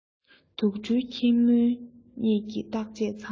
དུག སྦྲུལ ཁྱི སྨྱོན གཉིས ཀྱི བརྟག དཔྱད ཚང